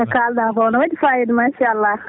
ko kaal?aa ko ne wa?i fayida machallah